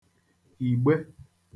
ìgbe